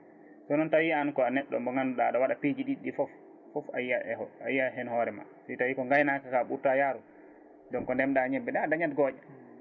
kono noon tawi an ko a neɗɗo mo ganduɗa aɗa waɗa piiji ɗiɗi ɗi foof foof a yiiyat eeho a yiiyat hen hoorema si tawi ko gaynka ɓuurta yaarude donc ko ndemɗa ñebbe ɗa a dañat gooƴe